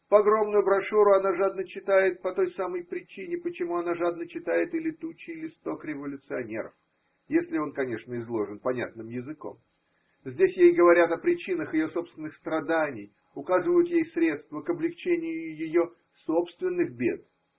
Погромную брошюру она жадно читает по той самой причине, почему она жадно читает и летучий листок революционеров – если он, конечно, изложен понятным языком: здесь ей говорят о причинах ее собственных страданий, указывают ей средства к облегчению ее собственных бед.